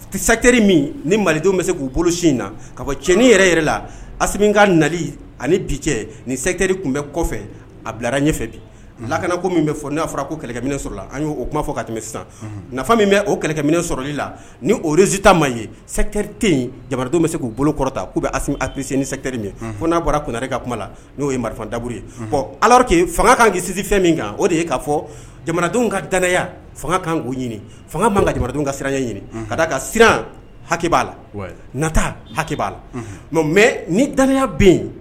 Sɛri min ni malidenw bɛ se k'u bolo in na ka fɔ cɛnin yɛrɛ yɛrɛ la a ka nali ani bi cɛ ni sɛri tun bɛ kɔfɛ a bilara ɲɛfɛ bi la kana ko min bɛ fɔ n'a fɔra ko kɛlɛkɛminɛ sɔrɔ an yo kuma fɔ ka tɛmɛ sisan min bɛ o kɛlɛkɛminɛ sɔrɔli la ni osita ma ye sɛri tɛ jamanadenw bɛ k'u bolo kɔrɔta k'u bɛ ase ni sɛri ye fo n'a bɔranare ka kuma la n'o ye marifa dauru ye bɔn alake fanga kan kɛisidi fɛn min kan o de ye kaa fɔ jamanadenw ka daya fanga kan k'o ɲini fanga' kan ka jamanadenw ka siranya ɲini ka ka siran hakɛa la nata hakɛ'a la mɛ mɛ ni daya bɛ yen